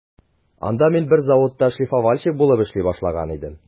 Анда мин бер заводта шлифовальщик булып эшли башлаган идем.